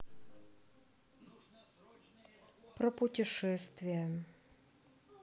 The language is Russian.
про путешествия